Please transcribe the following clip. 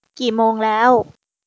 กี่โมงแล้ว